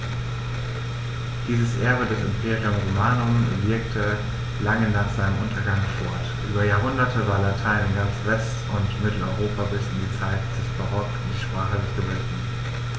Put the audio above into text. Dieses Erbe des Imperium Romanum wirkte lange nach seinem Untergang fort: Über Jahrhunderte war Latein in ganz West- und Mitteleuropa bis in die Zeit des Barock die Sprache der Gebildeten.